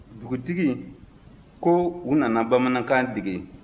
dugutigi ko u nana bamanankan dege